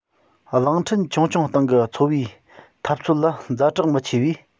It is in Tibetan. གླིང ཕྲན ཆུང ཆུང སྟེང གི འཚོ བའི འཐབ རྩོད ལ ཛ དྲག མི ཆེ བས